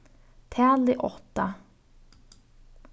talið átta